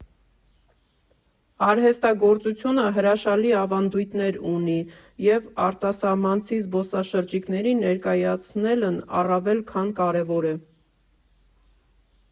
Արհեստագործությունը հրաշալի ավանդույթներ ունի և արտասահմանցի զբոսաշրջիկներին ներկայացնելն առավել քան կարևոր է։